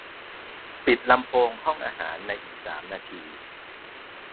ปิดลำโพงห้องอาหารในอีกสามนาที